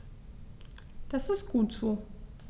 Das ist gut so.